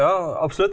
ja, absolutt.